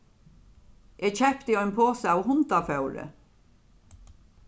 eg keypti ein posa av hundafóðri